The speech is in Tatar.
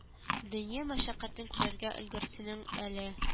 Дөнья мәшәкатен күрергә өлгерсенең әле